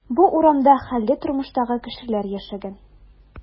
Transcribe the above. Бу урамда хәлле тормыштагы кешеләр яшәгән.